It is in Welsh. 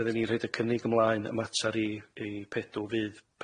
fydden ni'n rhoid y cynnig ymlaen y matar i i PEDW fydd